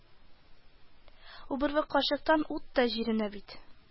– убырлы карчыктан ут та җирәнә бит